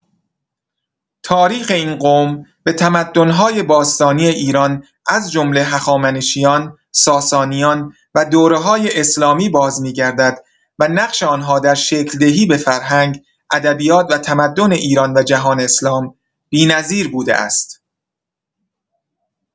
تاریخ این قوم به تمدن‌های باستانی ایران از جمله هخامنشیان، ساسانیان و دوره‌های اسلامی بازمی‌گردد و نقش آن‌ها در شکل‌دهی به فرهنگ، ادبیات و تمدن ایران و جهان اسلام بی‌نظیر بوده است.